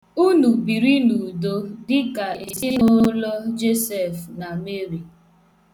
Unu biri n'udo dịka ezinụụlọ Josef na Meri.